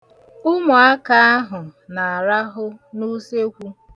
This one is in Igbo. Ụmụaka ahụ na-arahụ n'usekwu.